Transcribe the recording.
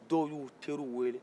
dɔw y'u teriw weele